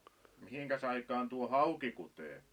mihinkäs aikaan tuo hauki kutee